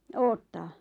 odottaa